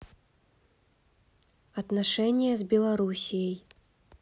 отношения с белоруссией